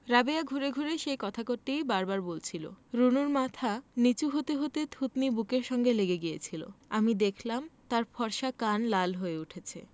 রাবেয়া ঘুরে ঘুরে সেই কথা কটিই বার বার বলছিলো রুনুর মাথা নীচু হতে হতে থুতনি বুকের সঙ্গে লেগে গিয়েছিলো আমি দেখলাম তার ফর্সা কান লাল হয়ে উঠছে